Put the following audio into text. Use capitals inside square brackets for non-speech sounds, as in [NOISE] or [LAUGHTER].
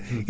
[HESITATION] [HESITATION]